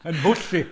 Yn bwll i.